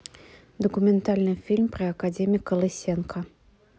документальный фильм про академика лысенко